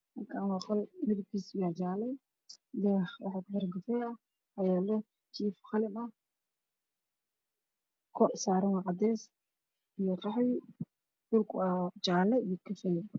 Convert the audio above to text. Halkan waxa ay indho qol midabkiisu yahay jaaro ku xiran gove ah qarin ah hor saarno caddees qarax jaadlo